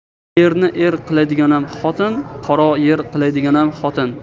erni er qiladigan ham xotin qaro yer qiladigan ham xotin